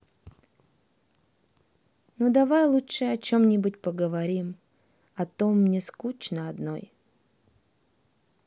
ну давай лучше о чем нибудь поговорим о том мне скучно одной